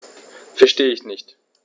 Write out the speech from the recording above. Verstehe nicht.